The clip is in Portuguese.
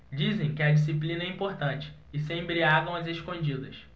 dizem que a disciplina é importante e se embriagam às escondidas